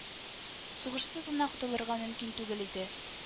Сугышсыз гына котылырга мөмкин түгел иде